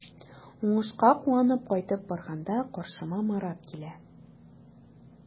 Уңышка куанып кайтып барганда каршыма Марат килә.